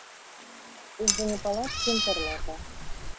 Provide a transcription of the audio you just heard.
из за неполадки интернета